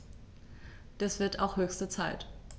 Das wird auch höchste Zeit!